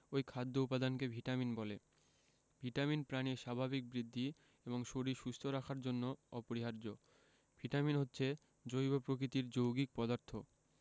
ঐ খাদ্য উপাদানকে ভিটামিন বলে ভিটামিন প্রাণীর স্বাভাবিক বৃদ্ধি এবং শরীর সুস্থ রাখার জন্য অপরিহার্য ভিটামিন হচ্ছে জৈব প্রকৃতির যৌগিক পদার্থ